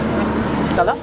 merci beaucoup ça va